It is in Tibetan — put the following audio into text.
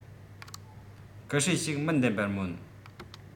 སྐུ སྲས ཞིག མི འདེམ པར སྨོན